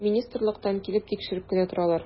Министрлыктан килеп тикшереп кенә торалар.